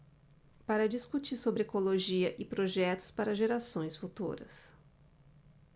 para discutir sobre ecologia e projetos para gerações futuras